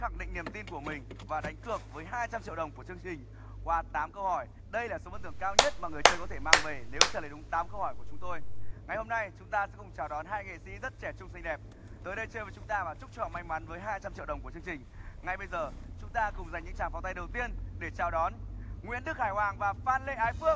khẳng định niềm tin của mình và đánh cược với hai trăm triệu đồng của chương trình qua tám câu hỏi đây là số phần thưởng cao nhất mà người chơi có thể mang về nếu trả lời đúng tám câu hỏi của chúng tôi ngày hôm nay chúng ta sẽ cùng chào đón hai nghệ sĩ rất trẻ trung xinh đẹp tới chơi với đây chúng ta và chúc cho họ may mắn với hai trăm triệu đồng của chương trình ngay bây giờ chúng ta cùng dành những tràng pháo tay đầu tiên để chào đón nguyễn đức hải hoàng và phan lê ái phương